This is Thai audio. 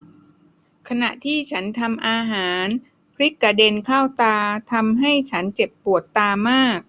ขณะที่ฉันทำอาหารพริกกระเด็นเข้าตาทำให้ฉันเจ็บปวดตามาก